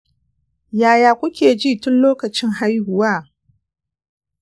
yaya kuke ji tun lokaci haihuwa